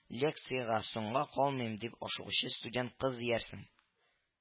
— лекциягә соңга калмыйм, дип ашыгучы студент кыз диярсең